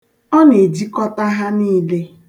Ọ na-ejikọta ha niile.